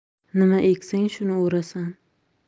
nima eksang shuni o'rasan